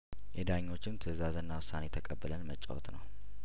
የዳኞችን ትእዛዝና ውሳኔ ተቀብለን መጫወት ነው